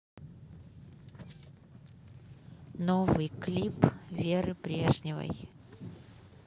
новый клип веры брежневой